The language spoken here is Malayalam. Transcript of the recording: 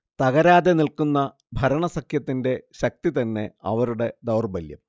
തകരാതെ നിൽക്കുന്ന ഭരണസഖ്യത്തിന്റെ ശക്തി തന്നെ അവരുടെ ദൗർബല്യം